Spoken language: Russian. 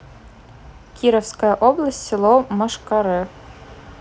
кировская область село мошкаре